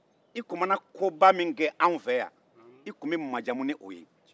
i tun mana koba min kɛ anw fɛ yan e tun bɛ majamu ni o ye